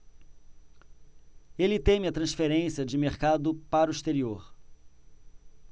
ele teme a transferência de mercado para o exterior